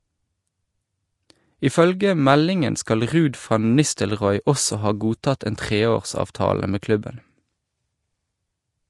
Ifølge meldingen skal Ruud van Nistelrooy også ha godtatt en treårsavtale med klubben.